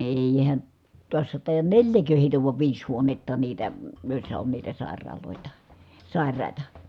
eihän tuossa taida neljä heitä vai viisi huonetta niitä joissa on niitä sairaaloita sairaita